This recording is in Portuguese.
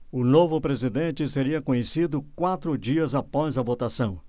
o novo presidente seria conhecido quatro dias após a votação